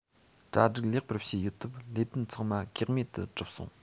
གྲ སྒྲིག ལེགས པར བྱས ཡོད སྟབས ལས དོན ཚང མ གེགས མེད དུ གྲུབ སོང